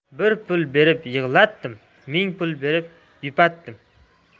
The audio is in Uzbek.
bir pul berib yig'latdim ming pul berib yupatdim